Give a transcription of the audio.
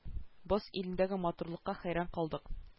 Боз илендәге матурлыкка хәйран калдык